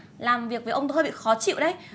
làm việc với ông hơi bị khó chịu đấy